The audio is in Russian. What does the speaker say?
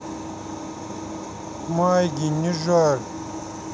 miyagi не жаль